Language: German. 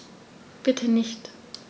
Bitte nicht.